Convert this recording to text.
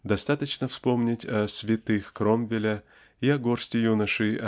достаточно вспомнить о "святых" Кромвеля и о горсти юношей